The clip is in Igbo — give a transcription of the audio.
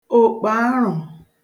òkpòarụ̀